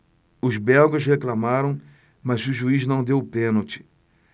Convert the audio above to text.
os belgas reclamaram mas o juiz não deu o pênalti